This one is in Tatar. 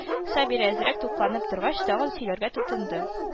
Сабир, әзрәк тукталып торгач, тагын сөйләргә тотынды: